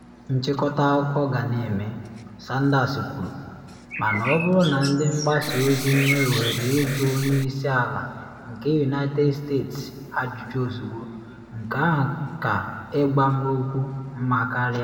Nchịkọta akụkọ ga na eme, Sanders kwuru, mana “ọ bụrụ na ndị mgbasa ozi nwee ohere ịjụ onye isi ala nke United States ajụjụ ozugbo, nke ahụ ka ịgwa m okwu mma karịa.